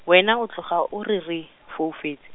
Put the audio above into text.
wena o tloga o re re, foufetše.